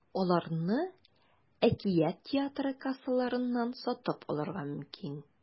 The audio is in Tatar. Аларны “Әкият” театры кассаларыннан сатып алырга мөмкин.